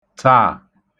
taà